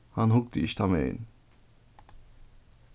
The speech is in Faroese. hann hugdi ikki tann vegin